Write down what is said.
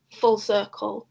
Full circle.